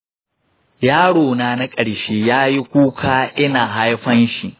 yaro na na ƙarshe yayi kuka ina haifanshi.